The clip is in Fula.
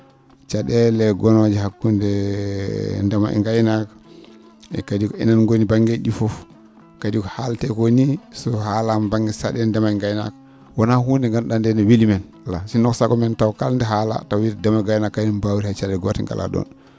ca?ele gonoje hakkude ndema e ngaynaaka e kadi ko enen gooni banggueji ?i fof kadi ko haaletee ko nii so haalama banggue ca?ede ndema e ngaynaaka wona huunde nde gandu?a nde ne weeli men ala sinno ko saagomen taw kalde haala taw wiiyete ko ndema e ngaynaaka kañumen mbawta ca?ele gote gala ?on